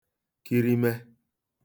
kirime